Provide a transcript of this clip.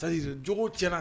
Tayise jogo cɛna